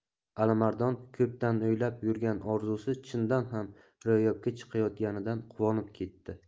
alimardon ko'pdan o'ylab yurgan orzusi chindan ham ro'yobga chiqayotganidan quvonib ketdi